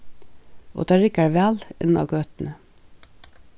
og tað riggar væl inn á gøtuni